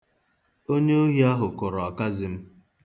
Onye ohi ahụ kụrụ ọkazị m.